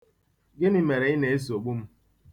Gịnị mere ị na-esogbu m?